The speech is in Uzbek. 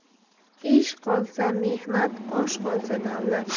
ish qolsa mehnat osh qolsa davlat